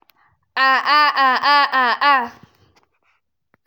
“A’a, a’a, a’a, a’a, a’a.